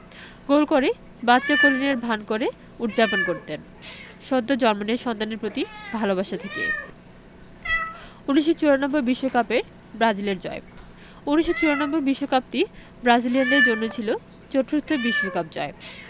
গোল করেই বাচ্চা কোলে নেওয়ার ভান করে উদ্ যাপন করতেন সদ্য জন্ম নেওয়া সন্তানের প্রতি ভালোবাসা থেকেই ১৯৯৪ বিশ্বকাপের ব্রাজিলের জয় ১৯৯৪ বিশ্বকাপটি ব্রাজিলিয়ানদের জন্য ছিল চতুর্থ বিশ্বকাপ জয়